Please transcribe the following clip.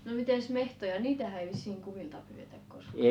no mitenkäs metsoja niitähän ei vissiin kuvilta pyydetä koskaan